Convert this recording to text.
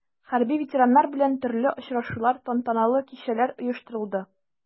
Хәрби ветераннар белән төрле очрашулар, тантаналы кичәләр оештырылды.